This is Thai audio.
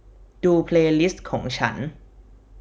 ดูเพลลิสท์ของฉัน